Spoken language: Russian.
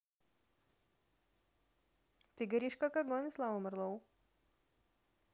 ты горишь как огонь slava marlow